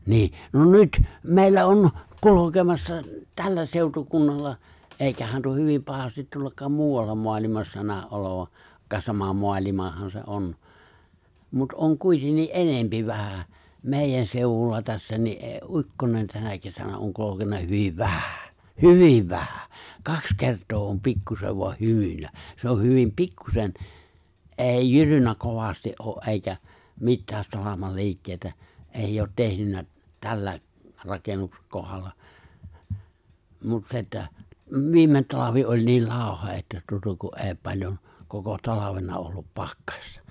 niin no nyt meillä on kulkemassa tällä seutukunnalla eikä tuo hyvin pahasti tuollakaan muualla maailmassa näy olevan - sama maailmahan se on mutta on kuitenkin enemmän vähän meidän seudulla tässä niin - ukkonen tänä kesänä on kulkenut hyvin vähän hyvin vähän kaksi kertaa on pikkuisen vain hymynnyt se on hyvin pikkuisen ei jyrynnyt kovasti ole eikä mitään salaman liikkeitä ei ole tehnyt tällä - kohdalla mutta se että viime talvi oli niin lauha että tuota kun ei paljon koko talvena ollut pakkasta